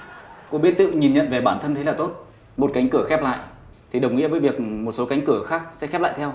cô biết tự nhìn nhận về bản thân thế là tốt một cánh cửa khép lại thì đồng nghĩa với việc một số cánh cửa khác sẽ khép lại theo